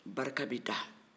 barika bɛ da